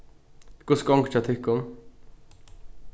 hvussu gongur hjá tykkum